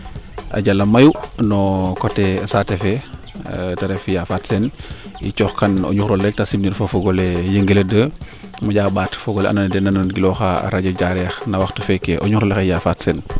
a jala mayu no coté saate fee te ref a Yaa Fatou Sene i cooxkan o ñuxrole te simnir fo o fogole Yengele 2 monja mbaat o fogole ando naye dena nan gilooxa radio Diarekh no waxtu feeke o ñuxrole xay Ya Fatou Sene